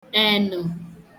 ènụ̀